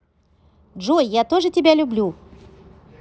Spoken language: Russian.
джой я тоже такое люблю